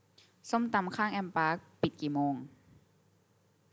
ส้มตำข้างแอมปาร์คปิดกี่โมง